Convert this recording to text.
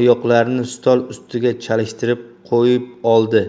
oyoqlarini stol ustiga chalishtirib qo'yib oldi